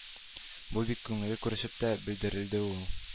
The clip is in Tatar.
Бу бик күңелле күренеш дип белдерде ул